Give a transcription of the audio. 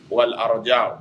Wal arajaab